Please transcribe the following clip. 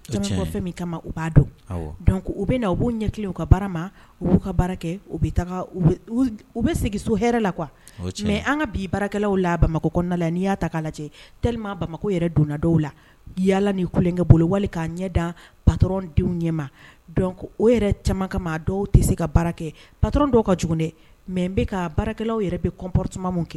Fɛn min kama u b'a dɔnc u bɛ na u b'u ɲɛlen ka baara ma u b'u ka baara kɛ u u bɛ segin so hɛrɛ la qu mɛ an ka bi baarakɛlaw la bamakɔ la n'i y'a ta'a lajɛ teli bamakɔ yɛrɛ donna dɔw la yaala ni kulenkɛ bolo wali k'a ɲɛ da patoondenw ɲɛ ma o yɛrɛ caman ka maa dɔw tɛ se ka baara kɛ pato dɔw ka jɔn dɛ mɛ n bɛka ka baarakɛ yɛrɛ bɛ kɔnpsmanw kɛ